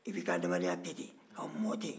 i b'i ka adamadenya bɛɛ kɛ ka mɔɔ ten